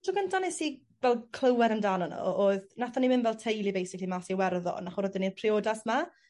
Tro gynta nes i fel clywed amdano n'w o'dd nathon ni fynd fel teulu basically mas i Iwerddon ohorwdd 'dy ni'r priodas 'ma.